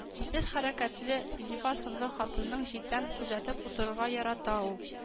Җитез хәрәкәтле, зифа сынлы хатынын читтән күзәтеп утырырга ярата ул